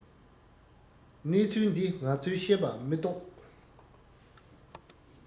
གནས ཚུལ འདི ང ཚོས ཤེས པ མི ཏོག